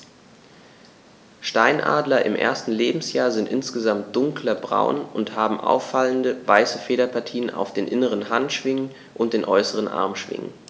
Steinadler im ersten Lebensjahr sind insgesamt dunkler braun und haben auffallende, weiße Federpartien auf den inneren Handschwingen und den äußeren Armschwingen.